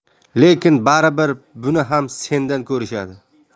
lekin baribir buni ham sendan ko'rishadi